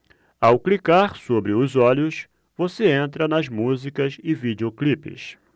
ao clicar sobre os olhos você entra nas músicas e videoclipes